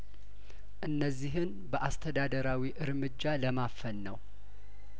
እነዚህን በአስተዳደራዊ እርምጃ ለማፈን ነው